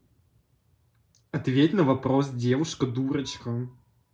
ответь на вопрос дашка дурочка